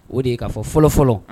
O de ye'a fɔ fɔlɔ fɔlɔ